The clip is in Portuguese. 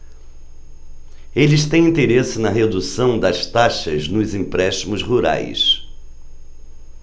eles têm interesse na redução das taxas nos empréstimos rurais